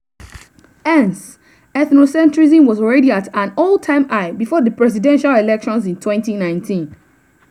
Hence, ethnocentrism was already at an all-time high before the presidential elections in 2019.